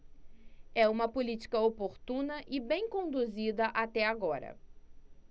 é uma política oportuna e bem conduzida até agora